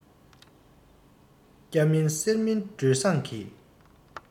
སྐྱ མིན སེར མིན སྒྲོལ བཟང གིས